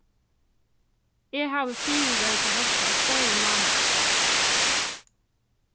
eg havi fyrireikað hetta í fleiri mánaðir